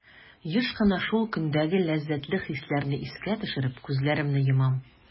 Еш кына шул көндәге ләззәтле хисләрне искә төшереп, күзләремне йомам.